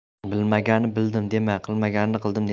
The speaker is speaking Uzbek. bilmaganni bildim dema qilmaganni qildim dema